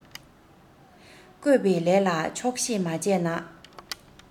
བཀོད པའི ལས ལ ཆོག ཤེས མ བྱས ན